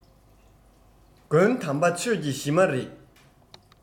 མགོན དམ པ ཆོས ཀྱི གཞི མ རེད